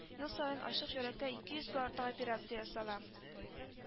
Ел сан ачык йөрәккә ике йөзгә артык операция ясала